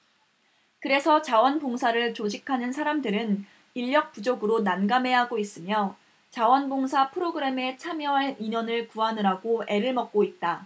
그래서 자원 봉사를 조직하는 사람들은 인력 부족으로 난감해하고 있으며 자원 봉사 프로그램에 참여할 인원을 구하느라고 애를 먹고 있다